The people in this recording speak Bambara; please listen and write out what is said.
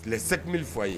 Tile sembili f'a ye